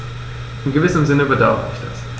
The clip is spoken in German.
In gewissem Sinne bedauere ich das.